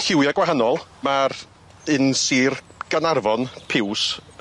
Lliwia gwahanol ma'r un sir Garnarfon piws.